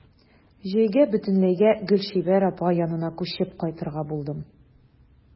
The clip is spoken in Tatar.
Җәйгә бөтенләйгә Гөлчибәр апа янына күчеп кайтырга булдым.